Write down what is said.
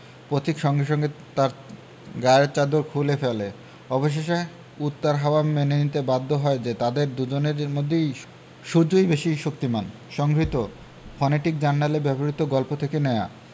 পথিক সঙ্গে সঙ্গে তার গায়ের চাদর খুলে ফেলে অবশেষে উত্তর হাওয়া মেনে নিতে বাধ্য হয় যে তাদের দুজনের মধ্যে সূর্যই বেশি শক্তিমান সংগৃহীত ফনেটিক জার্নালে ব্যবহিত গল্প থেকে নেওয়া